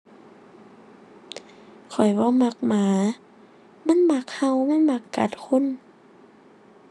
ข้อยบ่มักหมา มันมักเห่า มันมักกัดคน